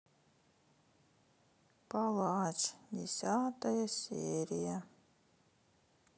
палач десятая серия